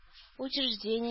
Учреждение